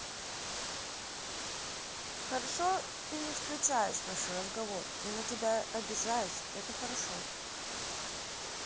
хорошо ты не включаешь наш разговор я на тебя обижаюсь это хорошо